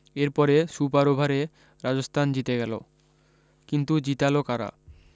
এরপরে সুপারওভারে রাজস্থান জিতে গেল কিন্তু জিতাল কারা